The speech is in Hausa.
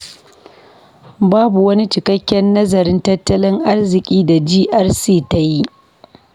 Babu wani cikakken nazarin tattalin arziki da GRZ ta yi.